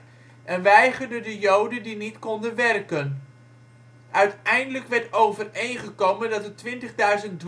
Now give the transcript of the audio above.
en weigerde de Joden die niet konden werken. Uiteindelijk werd overeengekomen dat de